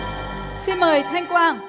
xin mời thanh quang